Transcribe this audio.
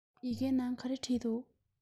ཡི གེའི ནང ག རེ བྲིས འདུག